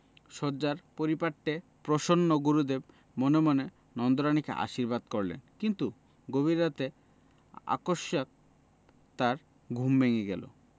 শয্যার পরিপাট্যে প্রসন্ন গুরুদেব মনে মনে নন্দরানীকে আশীর্বাদ করলেন কিন্তু গভীর রাতে আকস্মাৎ তাঁর ঘুম ভেঙ্গে গেল